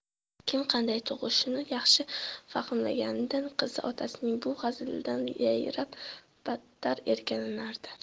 kim qanday tug'ishini yaxshi fahmlaydigan qizi otasining bu hazilidan yayrab battar erkalanardi